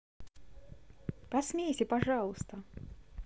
посмейся пожалуйста